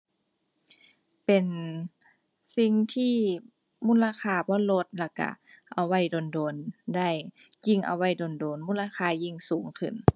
เป็นสิ่งที่มูลค่าบ่ลดแล้วก็เอาไว้โดนโดนได้ ยิ่งเอาไว้โดนโดน มูลค่ายิ่งสูงขึ้น